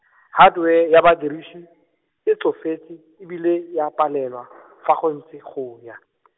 hardware ya badirisi, e tsofetse e bile, e a palelwa, fa go ntse go ya.